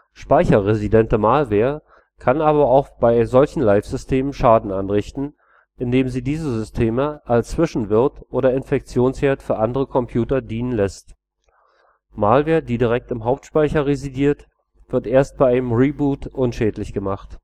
Speicherresidente Malware kann aber auch bei solchen Live-Systemen Schaden anrichten, indem diese Systeme als Zwischenwirt oder Infektionsherd für andere Computer dienen können. Malware, die direkt im Hauptspeicher residiert, wird erst bei einem Reboot unschädlich gemacht